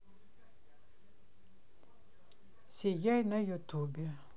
сияй на ютубе